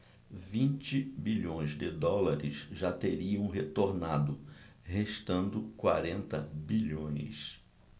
vinte bilhões de dólares já teriam retornado restando quarenta bilhões